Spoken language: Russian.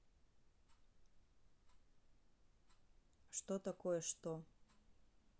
что такое что